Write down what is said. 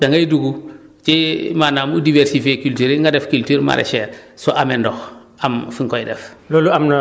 donc da ngay dugg ci maanaam mu diversifier culture yi nga def culture maraichère soo amee ndox am fu nga koy def